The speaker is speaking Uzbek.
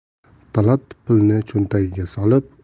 talat pulni cho'ntagiga